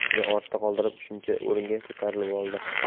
ortda qoldirib uchinchi o'ringa ko'tarilib oldi